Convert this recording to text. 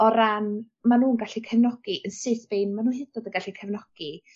O ran ma' nw'n gallu cefnogi yn syth bin ma' n'w hyd yn o'd yn gallu cefnogi